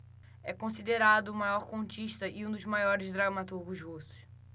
é considerado o maior contista e um dos maiores dramaturgos russos